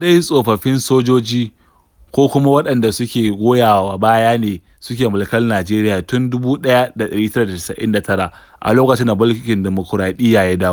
Ko dai tsofaffin sojoji ko kuma waɗanda suke goyawa baya ne suke mulkar Najeriya tun 1999 a lokacin da mulkin dimukuraɗiyya ya dawo.